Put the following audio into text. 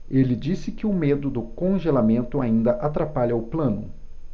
ele disse que o medo do congelamento ainda atrapalha o plano